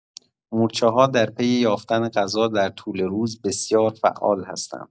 مورچه‌ها در پی یافتن غذا در طول روز بسیار فعال هستند.